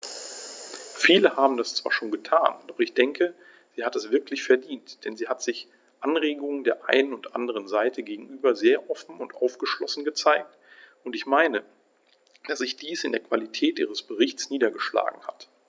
Viele haben das zwar schon getan, doch ich denke, sie hat es wirklich verdient, denn sie hat sich Anregungen der einen und anderen Seite gegenüber sehr offen und aufgeschlossen gezeigt, und ich meine, dass sich dies in der Qualität ihres Berichts niedergeschlagen hat.